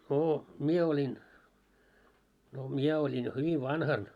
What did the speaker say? no minä olin no minä olin jo hyvin vanhana